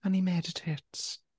And he meditates.